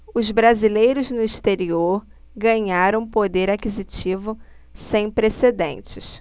os brasileiros no exterior ganharam um poder aquisitivo sem precedentes